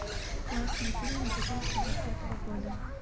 классные фильмы две тысячи двадцатого года